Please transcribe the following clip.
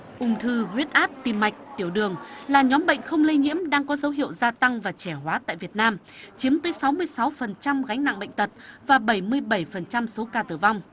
ung thư huyết áp tim mạch tiểu đường là nhóm bệnh không lây nhiễm đang có dấu hiệu gia tăng và trẻ hóa tại việt nam chiếm tới sáu mươi sáu phần trăm gánh nặng bệnh tật và bẩy mươi bẩy phần trăm số ca tử vong